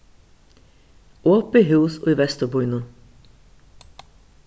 opið hús í vesturbýnum